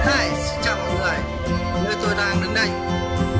hi xin chào mọi người nơi tôi đang đứng đây